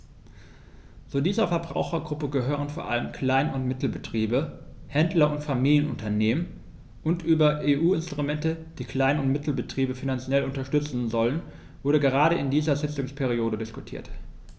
Zu dieser Verbrauchergruppe gehören vor allem Klein- und Mittelbetriebe, Händler und Familienunternehmen, und über EU-Instrumente, die Klein- und Mittelbetriebe finanziell unterstützen sollen, wurde gerade in dieser Sitzungsperiode diskutiert.